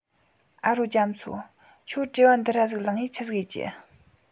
ཨ རོ རྒྱ མཚོ ཁྱོད བྲེལ བ འདི ར ཟིག ལངས ངས ཆི ཟིག ཡེད རྒྱུ